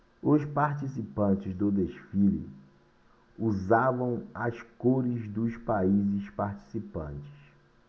os participantes do desfile usavam as cores dos países participantes